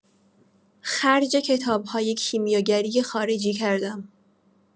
خرج کتاب‌های کیمیاگری خارجی کردم.